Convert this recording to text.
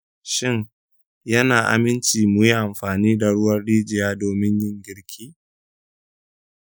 shin ya na aminci muyi amfani da ruwan rijiya domin yin girki?